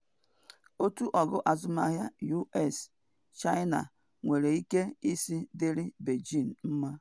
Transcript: Otu ọgụ azụmahịa US-China nwere ike isi dịịrị Beijing mma